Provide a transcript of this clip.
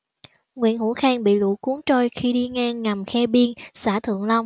nguyễn hữu khang bị lũ cuốn trôi khi đi ngang ngầm khe biên xã thượng long